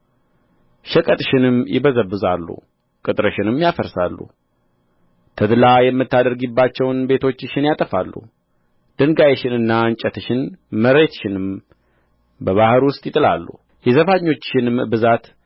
ሸቀጥሽንም ይበዘብዛሉ ቅጥርሽንም ያፈርሳሉ ተድላ የምታደርጊባቸውን ቤቶችሽን ያጠፋሉ ድንጋይሽንና እንጨትሽን መሬትሽንም በባሕር ውስጥ ይጥላሉ የዘፋኞችሽንም ብዛት ዝም አሰኛለሁ